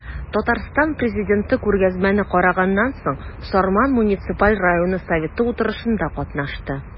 Татарстан Президенты күргәзмәне караганнан соң, Сарман муниципаль районы советы утырышында катнашты.